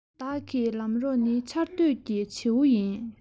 བདག གི ལམ གྲོགས ནི ཆར སྡོད ཀྱི བྱེའུ ཡིན